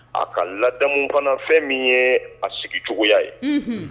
A ka ladamu fana fɛn min ye a sigi cogoya ye